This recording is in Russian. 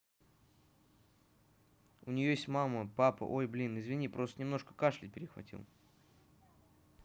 у нее есть мама папа ой блин извини просто немножко кашлять перехватил